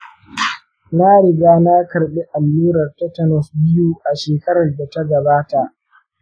na riga na karɓi allurar tetanus biyu a shekarar da ta gabata.